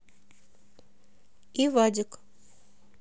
и вадик